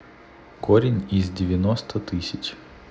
корень из девяносто тысяч